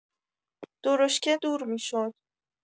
درشکه دور می‌شد.